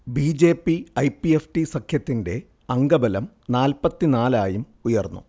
B. J. P. - I. P. F. T സഖ്യത്തിന്റെ അംഗബലം നാല്പതിനാല് ആയും ഉയർന്നു